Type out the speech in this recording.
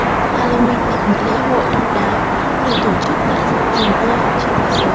halloween là một lễ hội độc đáo được tổ chức tại rất nhiều nơi trên thế giới